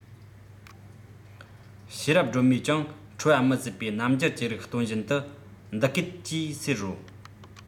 ཤེས རབ སྒྲོལ མས ཀྱང ཁྲོ བ མི ཟད པའི རྣམ འགྱུར ཅི རིགས སྟོན བཞིན དུ འདི སྐད ཅེས ཟེར རོ